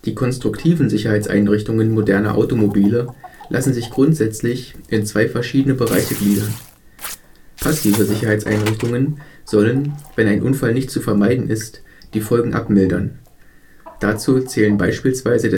konstruktiven Sicherheitseinrichtungen moderner Automobile lassen sich grundsätzlich in zwei verschiedene Bereiche gliedern. Passive Sicherheitseinrichtungen sollen, wenn ein Unfall nicht zu vermeiden ist, die Folgen abmildern. Dazu zählen beispielsweise